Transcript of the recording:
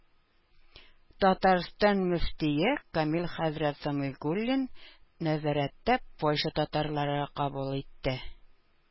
Татарстан мөфтие Камил хәзрәт Сәмигуллин нәзәрәттә Польша татарлары кабул итте.